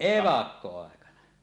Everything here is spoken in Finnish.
evakkoaikana